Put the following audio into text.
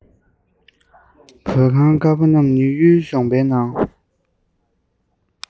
བོད ཁང དཀར པོ རྣམས ནི གཡུའི གཞོང པའི ནང